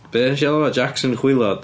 Be wnes i alw fo, Jackson Chwilod?